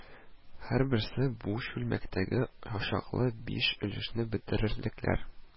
Һәрберсе бу чүлмәктәге чаклы биш өлешне бетерерлекләр